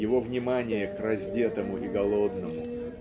его внимание к раздетому и голодному.